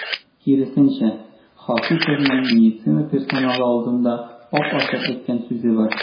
Киресенчә, Хафизовның медицина персоналы алдында ап-ачык әйткән сүзе бар.